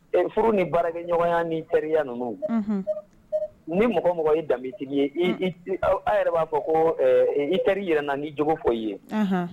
Furu ni baarakɛɲɔgɔnya ni teriya ninnu ,ni mɔgɔ o mɔgɔ ye danbemitigi ye, aw yɛrɛ b'a fɔ ko i teri yira na nk'i jogo fɔ i ye.